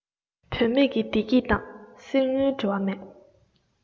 བུད མེད ཀྱི བདེ སྐྱིད དང གསེར དངུལ འབྲེལ བ མེད